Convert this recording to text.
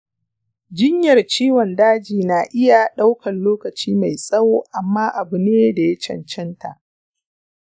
jinyar ciwon daji na iya daukan lokaci mai tsawo amma abune daya cancanta.